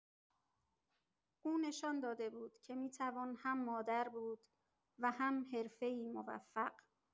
او نشان داده بود که می‌توان هم مادر بود و هم حرفه‌ای موفق.